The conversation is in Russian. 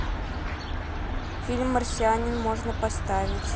фильм марсианин можно поставить